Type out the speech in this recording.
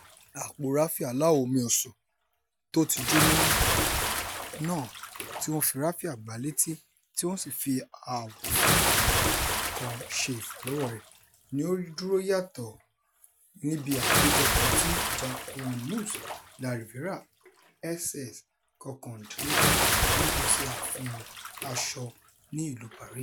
Àpọ raffia aláwọ̀ omi-ọsàn tóti jóna náà, tíwọn fi raffia gbá létí tíwọ́n sì fi awọ funfun kan ṣe ìfàlọ́wọ́ rẹ̀, ni ó dádúró yàtọ̀ níbi àkójọpọ̀ ti Jacquemus' La Riviera SS19 ní Ọ̀sẹ̀ Àfihàn Asọ ní Ìlu Paris.